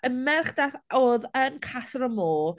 Y merch daeth... oedd yn Casa Amor...